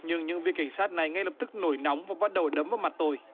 nhưng những việc cảnh sát này ngay lập tức nổi nóng và bắt đầu đấm vào mặt tôi